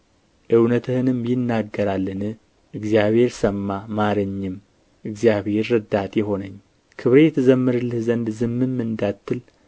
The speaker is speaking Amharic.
እውነትህንም ይናገራልን እግዚአብሔር ሰማ ማረኝም እግዚአብሔር ረዳቴ ሆነኝ ክብሬ ትዘምርልህ ዘንድ ዝምም እንዳትል